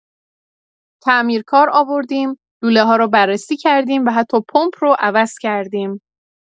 تعمیرکار آوردیم، لوله‌ها رو بررسی کردیم و حتی پمپ رو عوض کردیم.